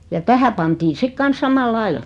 ja tähän pantiin sitten kanssa samalla lailla